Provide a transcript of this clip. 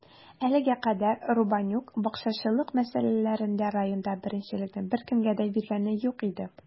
Әлегә кадәр Рубанюк бакчачылык мәсьәләләрендә районда беренчелекне беркемгә дә биргәне юк иде.